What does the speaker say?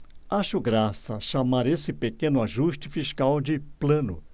acho graça chamar esse pequeno ajuste fiscal de plano